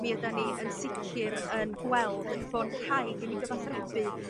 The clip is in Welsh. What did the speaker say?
mi yda ni yn sicr yn gweld n- bod rhaid i ni gyfathrebu